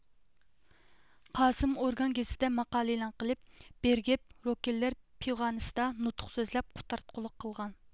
قاسىم ئورگان گېزىتىدە ماقالە ئېلان قىلىپ بېرگېبروكېللېر پىۋىخانسىدا نۇتۇق سۆزلەپ قۇتراتقۇلۇق قىلغان